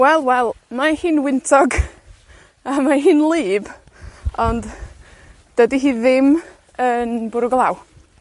Wel, wel, mae hi'n wyntog, a mae hi'n wlyb , ond dydi hi ddim yn bwrw glaw.